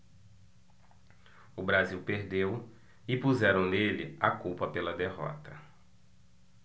o brasil perdeu e puseram nele a culpa pela derrota